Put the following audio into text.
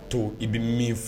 To i be min f